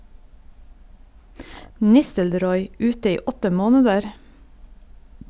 Nistelrooy ute i åtte måneder?